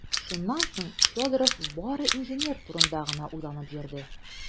Шуннан соң Федоров бары инженер турында гына уйланып йөрде.